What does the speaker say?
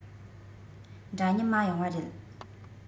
འདྲ མཉམ མ ཡོང བ རེད